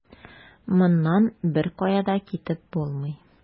Моннан беркая да китеп булмый.